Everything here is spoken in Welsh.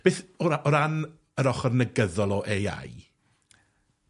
Beth o ra- o ran yr ochor negyddol o Ay Eye